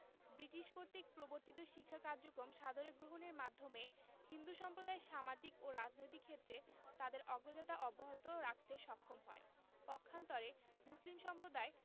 British কর্তৃক প্রবর্তিত শিক্ষা কার্যক্রম সাদরে গ্রহণের মাধ্যমে হিন্দু সম্প্রদায় সামাজিক ও রাজনৈতিক ক্ষেত্রে তাদের অগ্রযাত্রা অব্যাহত রাখতে সক্ষম হয় পক্ষান্তরে মুসলিম সম্প্রদায়